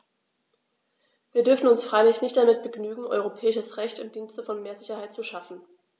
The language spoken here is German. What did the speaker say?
Wir dürfen uns freilich nicht damit begnügen, europäisches Recht im Dienste von mehr Sicherheit zu schaffen.